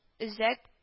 Өзәк